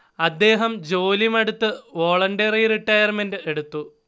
അദ്ദേഹം ജോലി മടുത്തു വോളണ്ടറി റിട്ടയർമെന്റ് എടുത്തു